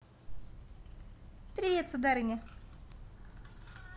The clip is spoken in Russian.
привет сударыня